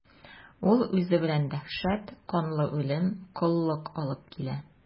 Ул үзе белән дәһшәт, канлы үлем, коллык алып килә.